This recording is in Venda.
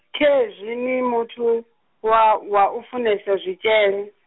khezwi ni muthu, wa- wau funesa zwitshele?